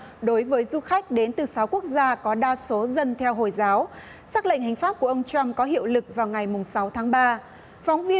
đối với du khách đến từ sáu quốc gia có đa số dân theo hồi giáo sắc lệnh hành pháp của ông trăm có hiệu lực vào ngày mùng sáu tháng ba phóng viên